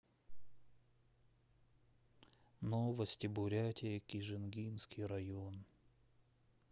новости бурятии кижингинский район